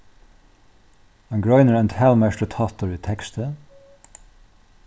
ein grein er ein talmerktur táttur í teksti